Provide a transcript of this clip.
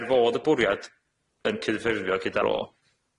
Er fod y bwriad yn cydyffurfio gyda ro